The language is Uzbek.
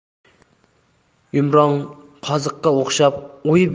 yumronqoziqqa o'xshab o'yib